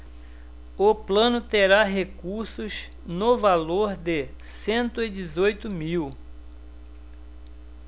o plano terá recursos no valor de cento e dezoito mil